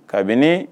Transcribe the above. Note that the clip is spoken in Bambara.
Kabini